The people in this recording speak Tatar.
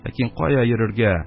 Ләкин кая йөрергә?